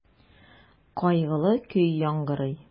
Кайгылы көй яңгырый.